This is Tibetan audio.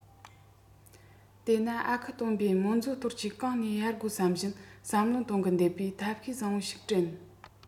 དེས ན ཨ ཁུ སྟོན པས རྨོན མཛོ དོར གཅིག གང ནས གཡར དགོས བསམ བཞིན བསམ བློ གཏོང གིན བསྟད པས ཐབས ཤེས བཟང པོ ཞིག དྲན